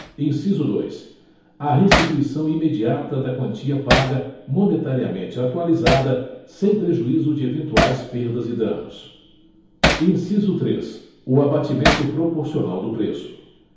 inciso dois a restituição imediata da quantia paga monetariamente atualizada sem prejuízo de eventuais perdas e danos inciso três o abatimento proporcional do preço